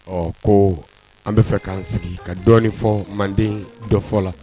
Ɔ ko an bɛ fɛ k'an sigi ka dɔɔnin fɔ maliden dɔfɔ la